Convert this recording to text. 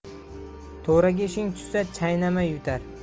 to'raga ishing tushsa chaynamay yutar